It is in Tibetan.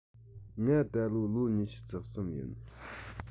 ང ད ལོ ལོ ཉི ཤུ རྩ གསུམ ཡིན